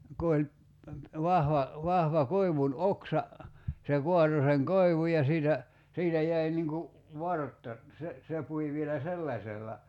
kun oli vahva vahva koivun oksa se kaatoi sen koivun ja siitä siitä jäi niin kuin vartta se se pui vielä sellaisella